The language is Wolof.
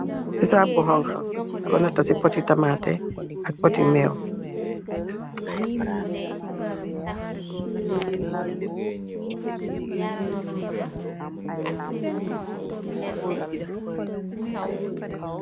Bisap bu xonxa ñiñ ko natah ci pôtti tamate ak pôtti meew.